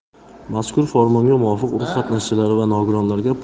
mazkur farmonga muvofiq urush qatnashchilari va nogironlariga